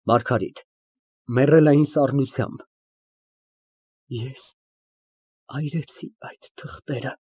ՄԱՐԳԱՐԻՏ ֊ (Մեռելային սառնությամբ) Ես այրեցի այն թղթերը։